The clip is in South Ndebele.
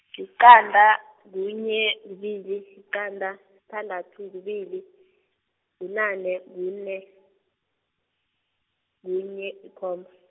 liqanda, kunye, kubili, yiqanda, sithandathu, kubili, bunane, kune, kunye yikomba.